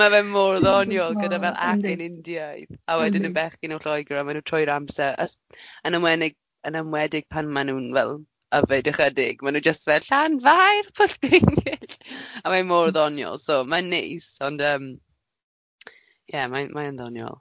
Ma' fe mor ddoniol gyda fel acen Indiaidd. A wedyn y bechgyn o Lloegr a maen nhw'n troi'r amser. Ys- yn enwedig yn enwedig pan maen nhw'n fel yfed ychydig, maen nhw jyst fel Llanfairpwllgwyngyll! A mae mor ddoniol, so mae'n neis, ond yym ie mae mae'n ddoniol.